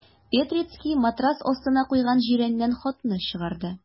Петрицкий матрац астына куйган җирәннән хатны чыгарды.